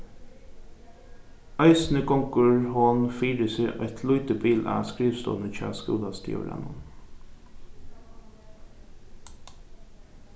eisini gongur hon fyri seg eitt lítið bil á skrivstovuni hjá skúlastjóranum